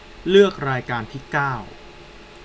เลือกรายการที่เก้า